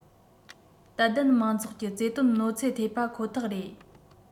དད ལྡན མང ཚོགས ཀྱི བརྩེ དུང གནོད འཚེ ཐེབས པ ཁོ ཐག རེད